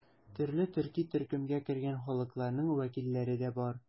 Төрле төрки төркемгә кергән халыкларның вәкилләре дә бар.